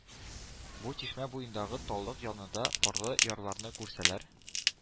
Бу чишмә буендагы таллык янында парлы ярларны күрсәләр,